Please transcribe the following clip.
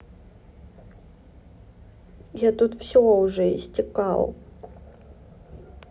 я тут все уже истекал